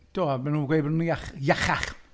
Do, a maen nhw'n gweud bod nhw'n iach- iachach.